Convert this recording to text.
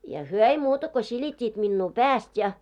ja he ei muuta kuin silittivät minua päästä ja